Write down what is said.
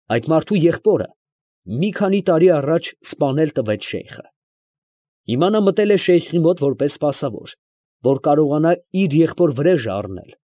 Այդ մարդու եղբորը, ֊ ասաց Մըստոն, ֊ մի քանի տարի առաջ սպանել տվեց շեյխը. հիմա նա մտել է շեյխի մոտ որպես սպասավոր, որ կարողանա իր եղբոր վրեժը առնել։